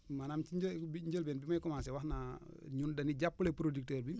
maanaam si një njëlbeen bi may commencé wax naa ñun dañuy jàppale producteur bi